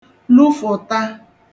lufụ̀ta